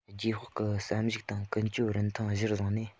རྗེས དཔག གི བསམ གཞིགས དང ཀུན སྤྱོད རིན ཐང གཞིར བཟུང ནས